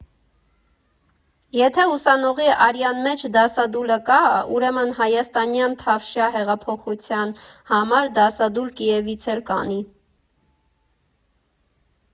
Եթե ուսանողի արյան մեջ դասադուլը կա, ուրեմն հայաստանյան Թավշյա հեղափոխության համար դասադուլ Կիևից էլ կանի։